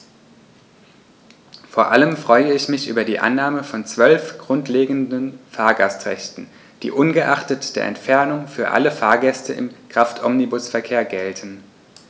Vor allem freue ich mich über die Annahme von 12 grundlegenden Fahrgastrechten, die ungeachtet der Entfernung für alle Fahrgäste im Kraftomnibusverkehr gelten.